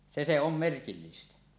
se se on merkillistä